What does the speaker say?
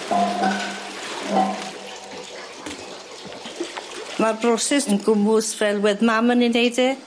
Ma'r broses yn gwmws fel wedd mam yn 'i neud e